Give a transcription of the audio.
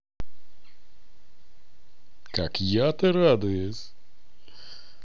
как я то радуюсь